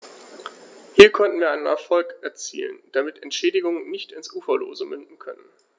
Hier konnten wir einen Erfolg erzielen, damit Entschädigungen nicht ins Uferlose münden können.